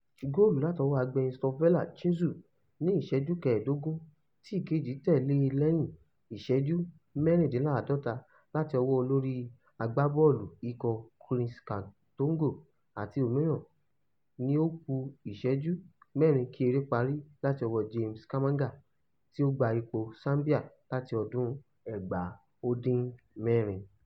Góòlù láti ọwọ́ agbéyìn Stopilla Sunzu ni ìṣẹ́jú kẹẹ̀dógún, tí ìkejì sì tẹ̀lé e ní lẹ́yìn ìṣẹ́jú mẹ́rìndínláàdọ́rin láti ọwọ́ olorí agbábọ́ọ̀lù ikọ̀ Chris Katongo àti òmíràn ní ó kú ìṣẹ́jú mẹ́rin kí eré parí láti ọwọ́ James Chamanga, tí ó gba ipò Zambia láti ọdún 1996.